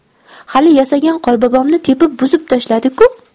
hali yasagan qorbobomni tepib buzib tashladi ku